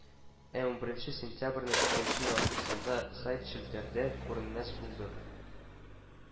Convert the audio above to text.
Ә унберенче сентябрьнең икенче яртысында сайт челтәрдә күренмәс булды